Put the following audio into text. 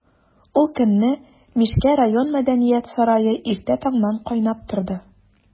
Ул көнне Мишкә район мәдәният сарае иртә таңнан кайнап торды.